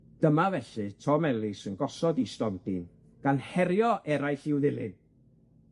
Dyma felly Tom Ellis yn gosod 'i stondin, gan herio eraill i'w ddilyn.